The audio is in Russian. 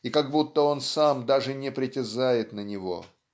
и как будто он сам даже не притязает на него.